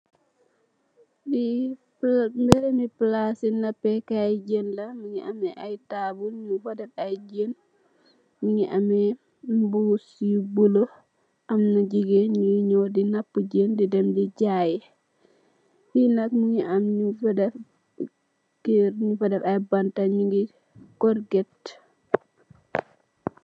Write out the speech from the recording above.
Lee meremu plase napekaye jeen la muge ameh aye taabul nugfa def aye jeen muge ameh muss yu bulo amna jegain nuy nyaw de napu jeen de dem de jayee fee nak muge am nugfa keyete nugfa def aye banta nuge corget.